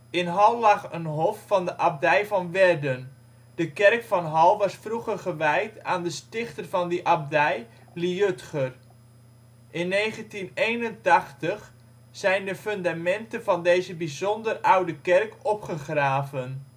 In Hall lag een hof van de abdij van Werden. De kerk van Hall was vroeger gewijd aan de stichter van die abdij, Liudger. In 1981 zijn de fundamenten van deze bijzonder oude kerk opgegraven